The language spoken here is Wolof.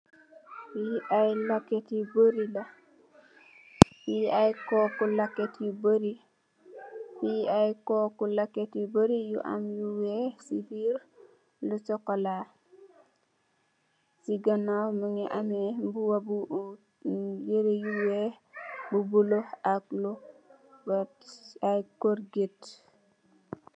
Li ay lèkket yu barri la, li ay kooku lèkket yu barri, yu am lu wèèx si biir, lu sokola. Si ganaw mugii ameh yirèh yu wèèx, bu bula ak lu werta ay korget.